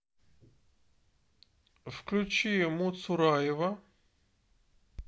включи муцураева